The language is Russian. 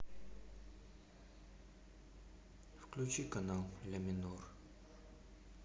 включи канал ля минор